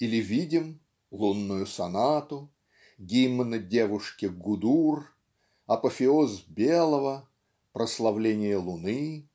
или видим?) "Лунную сонату" гимн девушке Гудур апофеоз белого прославление луны